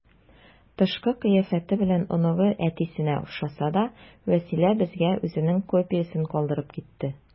Тышкы кыяфәте белән оныгы әтисенә охшаса да, Вәсилә безгә үзенең копиясен калдырып китте.